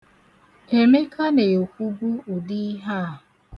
Emeka na-ekwubu ụdị ihe a.